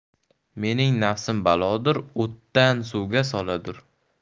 mening nafsim balodur o'tdan suvga soladur